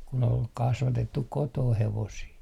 kun oli kasvatettu kotona hevosia